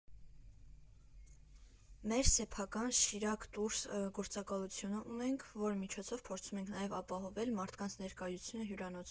Մեր սեփական «Շիրակ տուրս» գործակալությունը ունենք, որի միջոցով փորձում ենք նաև ապահովել մարդկանց ներկայությունը հյուրանոցում։